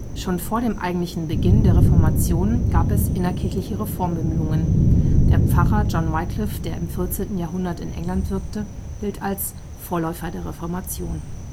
Schon vor dem eigentlichen Beginn der Reformation gab es innerkirchliche Reformbemühungen. Der Pfarrer John Wyclif, der im 14. Jahrhundert in England wirkte, gilt als „ Vorläufer der Reformation